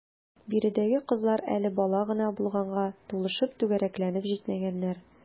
Биредәге кызлар әле бала гына булганга, тулышып, түгәрәкләнеп җитмәгәннәр.